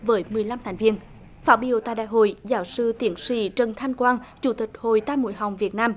với mười lăm thành viên phát biểu tại đại hội giáo sư tiến sĩ trần thanh quang chủ tịch hội tai mũi họng việt nam